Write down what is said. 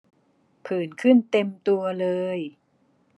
ผื่นขึ้นเต็มตัวเลย